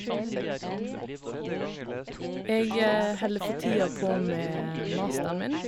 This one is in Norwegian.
Jeg holder for tida på med masteren min.